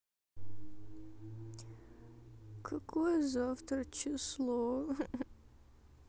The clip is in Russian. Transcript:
какое завтра число